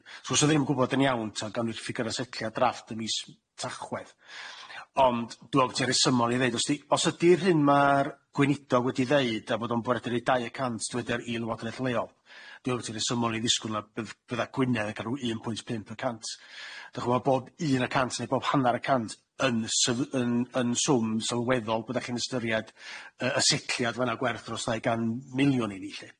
So sa ddim yn gwbod yn iawn ta'gawn ni'r ffigyre setliad drafft ym mis Tachwedd ond dwi me'wl bo' ti'n rhesymol i ddeud os di- os ydi'r hyn ma'r gweinidog wedi ddeud a bod o'n bwriadu roi dau y cant dwi dweda i lywodraeth leol dwi me'wl bo' ti'n rhesymol i ddisgwl na bydd- bydda Gwynedd yn ca'l rw un pwynt pump y cant dych ch'mo' bob un y cant ne' bob hannar y cant yn syf- yn- yn swm sylweddol pan dachi'n ystyried y- y- setliad fan'na gwerth dros ddau gan miliwn i ni 'lly